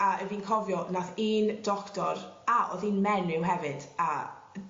a 'yf fi'n cofio nath un doctor a o'dd i'n menyw hefyd a